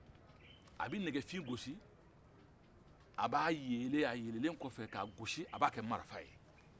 a bɛ nɛgɛfin gosi a ba yele a yelelen kɔfɔ k'a gosi a b'a kɛ marifa ye